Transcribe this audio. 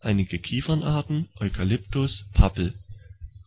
einige Kiefernarten, Eukalyptus, Pappel),